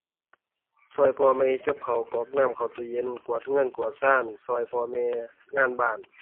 ช่วยพ่อแม่เฮ็ดกับข้าว กรอกน้ำเข้าตู้เย็น กวาดช่วยกวาดช่วย ช่วยพ่อแม่ งานบ้าน